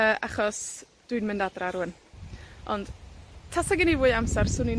Yy, achos dwi'n mynd adra rŵan. Ond, tasa gen i fwy o amser, 'swn i'n